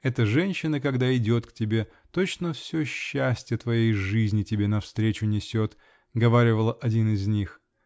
"Эта женщина, когда идет к тебе, точно все счастье твоей жизни тебе навстречу несет", -- говаривал один из них.